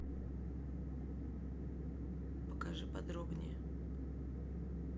покажи подробнее